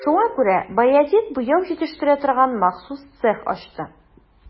Шуңа күрә Баязит буяу җитештерә торган махсус цех ачты.